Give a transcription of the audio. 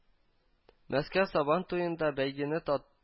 Мәскәү Сабантуенда бәйгене та